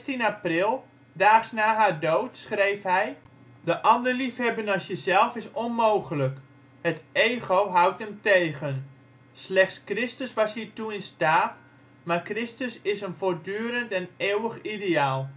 16e april, daags na haar dood, schreef hij: " De ander liefhebben als jezelf is onmogelijk. Het Ego houdt hem tegen. Slechts Christus was hiertoe in staat, maar Christus is een voortdurend en eeuwig ideaal